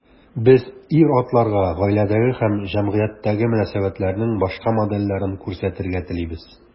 Без ир-атларга гаиләдәге һәм җәмгыятьтәге мөнәсәбәтләрнең башка модельләрен күрсәтергә телибез.